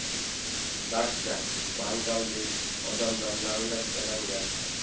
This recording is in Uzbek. dakka bangladeshodamlar laminatsiyalangan